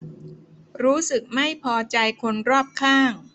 รู้สึกไม่พอใจคนรอบข้าง